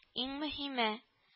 — иң мөһиме